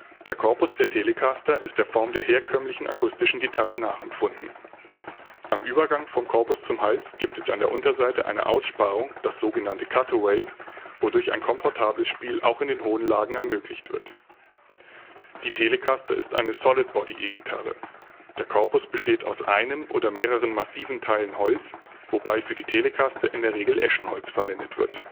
Der Korpus der Telecaster ist der Form der herkömmlichen (akustischen) Gitarre nachempfunden. Am Übergang vom Korpus zum Hals gibt es an der Unterseite eine Aussparung, das so genannte Cutaway, wodurch ein komfortables Spiel auch in den hohen Lagen ermöglicht wird. Die Telecaster ist eine Solidbody-E-Gitarre. Der Korpus besteht aus einem oder mehreren massiven Teilen Holz, wobei für die Telecaster in der Regel Eschenholz verwendet wird